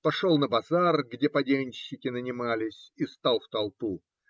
Пошел на базар, где поденщики нанимались, и стал в толпу.